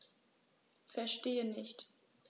Verstehe nicht.